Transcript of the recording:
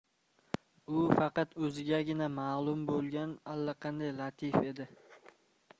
u faqat o'zigagina ma'lum bo'lgan allaqanday latif edi